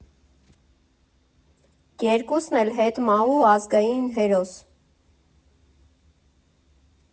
Երկուսն էլ՝ հետմահու ազգային հերոս։